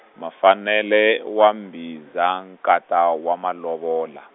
Mafanele wa Mbhiza nkata wa Malovola.